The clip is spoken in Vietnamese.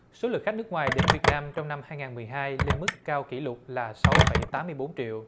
số lượt khách nước ngoài đến việt nam trong năm hai ngàn mười hai lên mức cao kỷ lục là sáu phẩy tám mươi bốn triệu